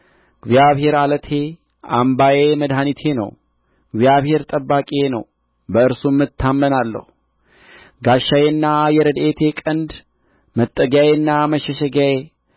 እግዚአብሔር ዓለቴ አምባዬ መድኃኒቴ ነው እግዚአብሔር ጠባቂዬ ነው በእርሱም እታመናለሁ ጋሻዬና የረድኤቴ ቀንድ መጠጊያዬና መሸሸጊያዬ